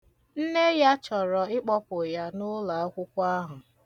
Nne ya chọrọ ikpọpu ya n'ụlọakwụkwọ ahụ.